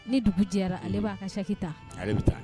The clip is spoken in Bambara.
Ni dugu jɛrayara ale b'a ka saki ta ale bɛ taa